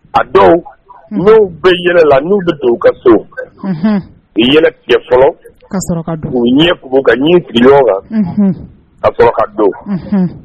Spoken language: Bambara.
A dɔw n' bɛ yɛlɛ la n'u bɛ don u ka so u yɛlɛ fɔlɔ ɲɛ ka ɲɛ sigi la ka sɔrɔ ka don